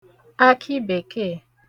akịbèkèè